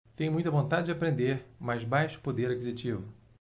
tenho muita vontade de aprender mas baixo poder aquisitivo